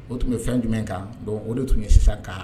O tun bɛ fɛn jumɛn kan dɔn o de tun ye sisan kan